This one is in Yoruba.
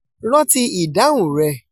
'Ránti ìdáhùn rẹ̀?